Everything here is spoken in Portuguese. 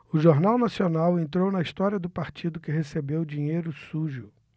o jornal nacional entrou na história do partido que recebeu dinheiro sujo